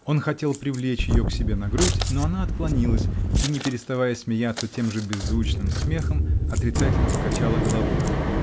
Он хотел привлечь ее к себе на грудь, но она отклонилась и, не переставая смеяться тем же беззвучным смехом, отрицательно покачала головою.